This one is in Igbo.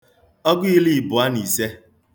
ọgụ ili ịbụọ na ise